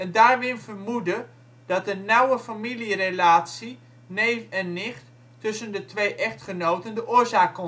Darwin vermoedde dat de nauwe familierelatie, neef en nicht, tussen de twee echtgenoten de oorzaak